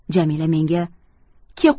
jamila menga ke